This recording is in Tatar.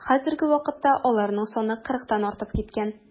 Хәзерге вакытта аларның саны кырыктан артып киткән.